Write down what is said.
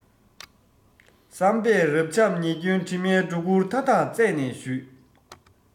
བསམ པས རབ འབྱམས ཉེས སྐྱོན དྲི མའི སྒྲོ སྐུར མཐའ དག རྩད ནས བཞུས